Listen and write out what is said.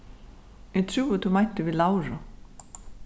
eg trúði tú meinti við lauru